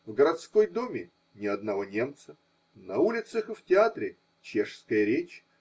В городской думе ни одного немца, на улицах и в театре чешская речь.